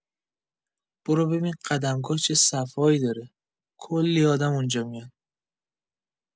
برو ببین قدمگاه چه صفایی داره، کلی آدم اونجا میان.